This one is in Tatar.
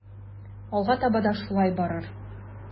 Алга таба да шулай барыр.